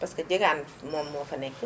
parce que Diegane moom moo fa nekk